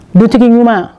Du ɲuman